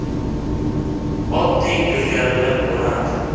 otdek ilgarilab borardi